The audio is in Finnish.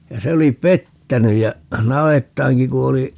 ja se oli pettänyt ja navettaankin kun oli